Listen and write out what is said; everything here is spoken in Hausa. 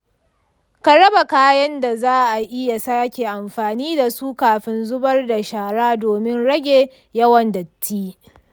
ka raba kayan da za a iya sake amfani da su kafin zubar da shara domin rage yawan datti.